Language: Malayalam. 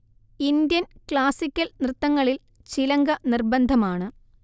ഇന്ത്യൻ ക്ലാസിക്കൽ നൃത്തങ്ങളിൽ ചിലങ്ക നിർബന്ധമാണ്